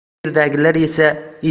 bu yerdagilar esa